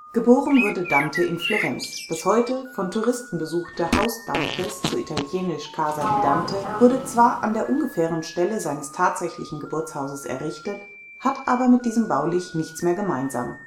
Geboren wurde Dante in Florenz, das heute von Touristen besuchte „ Haus Dantes “(Casa di Dante) wurde zwar an der ungefähren Stelle seines tatsächlichen Geburtshauses errichtet, hat aber mit diesem baulich nichts mehr gemeinsam